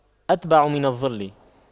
أتبع من الظل